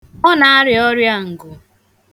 Ọ na-arịa ọrịa ngụ.